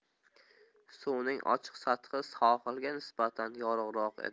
suvning ochiq sathi sohilga nisbatan yorug'roq edi